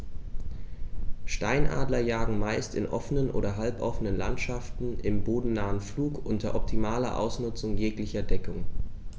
Steinadler jagen meist in offenen oder halboffenen Landschaften im bodennahen Flug unter optimaler Ausnutzung jeglicher Deckung.